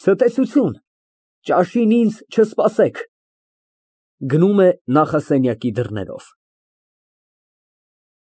Ցտեսություն, ճաշին ինձ չսպասեք։ (Գնում է նախասենյակի դռներով)։